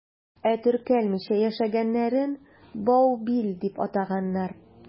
Ә теркәлмичә яшәгәннәрен «баубил» дип атаганнар.